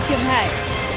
hải